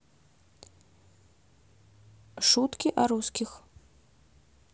шутки о русских